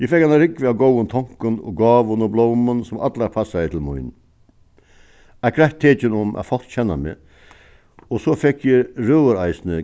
eg fekk eina rúgvu av góðum tonkum og gávum og blómum sum allar passaði til mín eitt greitt tekin um at fólk kenna meg og so fekk eg røður eisini